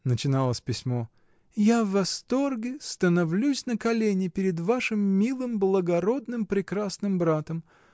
— начиналось письмо, — я в восторге, становлюсь на колени перед вашим милым, благородным, прекрасным братом!